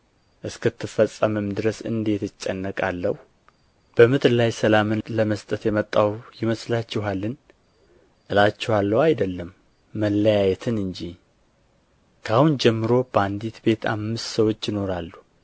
እስክትፈጸምም ድረስ እንዴት እጨነቃለሁ በምድር ላይ ሰላምንም ለመስጠት የመጣሁ ይመስላችኋልን እላችኋለሁ አይደለም መለያየትን እንጂ ከአሁን ጀምሮ በአንዲት ቤት አምስት ሰዎች ይኖራሉና